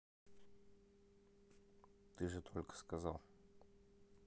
ты же только сказал